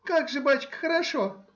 — Как же, бачка, хорошо?